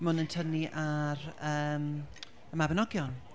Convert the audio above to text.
mae hwn yn tynnu ar, yym y Mabinogion.